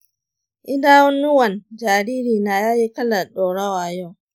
idanuwan jaririna yayi kalar ɗorawa yau